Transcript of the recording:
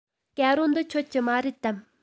དཀར པོ འདི ཁྱོད ཀྱི མ རེད དམ